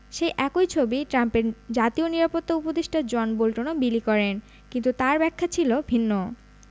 সেই একই ছবি ট্রাম্পের জাতীয় নিরাপত্তা উপদেষ্টা জন বোল্টনও বিলি করেন কিন্তু তাঁর ব্যাখ্যা ছিল ভিন্ন